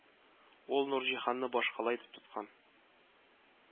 Ул Нурҗиһанны башкала итеп тоткан